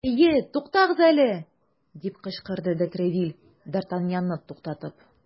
Әйе, тукагыз әле! - дип кычкырды де Тревиль, д ’ Артаньянны туктатып.